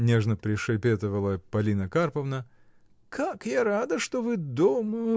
— нежно пришепетывала Полина Карповна, — как я рада, что вы дома